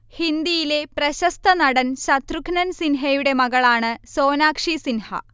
ഹിന്ദിയിലെ പ്രശസ്ത നടൻ ശത്രുഘ്നൻ സിൻഹയുടെ മകളാണ് സോനാക്ഷി സിൻഹ